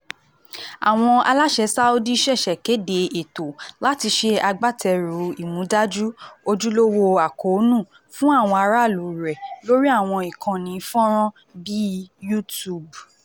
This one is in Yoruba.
Àwọn aláṣẹ Saudi ṣẹ̀ṣẹ̀ kéde ètò láti ṣe agbátẹrù ìmúdájú "ojúlówó àkóónú" fún àwọn aráàlú rẹ̀ lórí àwọn ìkànnì fọ́nràn bíi YouTube.